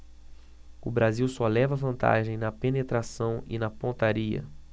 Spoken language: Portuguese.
o brasil só leva vantagem na penetração e na pontaria